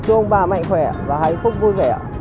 chúc ông bà mạnh khỏe và hạnh phúc vui vẻ ạ